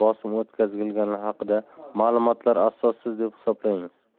bosim o'tkazilgani haqidagi ma'lumotlar asossiz deb hisoblaymiz